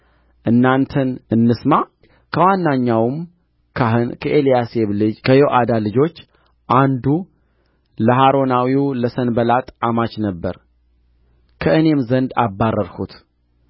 እናንተን እንስማ ከዋነኛውም ካህን ከኤልያሴብ ልጅ ከዮአዳ ልጆች አንዱ ለሖሮናዊው ለሰንባላጥ አማች ነበረ ከእኔም ዘንድ አባረርሁት